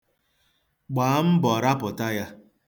Gbaa mbọ rapụta ya.